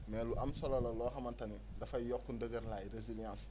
mais lu am solo la loo xamante ne dafay yokk ndëgërlaay résilience